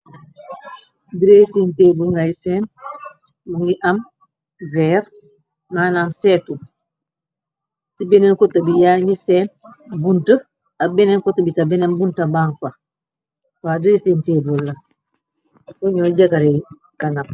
Dressing tablei ngay seen bungi am weer manaam seetu ci benneen kote bi yaa ngi seen bunta ak benneen kote bi tam beneen bunta bang fa waw dressing table la buñooy jëgarey kanam.